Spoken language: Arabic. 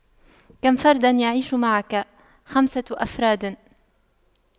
كم فردا يعيش معك خمسة أفراد